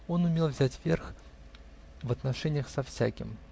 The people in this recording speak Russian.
Он умел взять верх в отношениях со всяким.